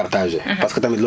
buñ jotee messages yi